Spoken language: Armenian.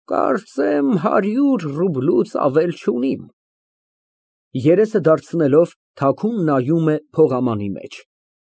Կարծեմ հարյուր ռուբլուց ավել չունիմ։ (Երեսը դարձնելով, թաքուն նայում է փողամանի մեջ)։